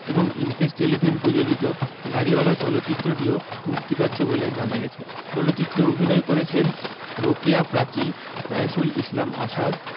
এবং Impress Telefilm প্রযোজিত গাড়িওয়ালা চলচ্চিত্রটিও মুক্তি পাচ্ছে বলে জানা গেছে চলচ্চিত্রে অভিনয় করেছেন রোকেয়া প্রাচী রাইসুল ইসলাম আসাদ